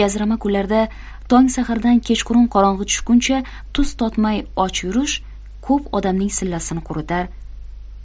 jazirama kunlarda tong sahardan kechqurun qorong'i tushguncha tuz totmay och yurish ko'p odamning sillasini quritar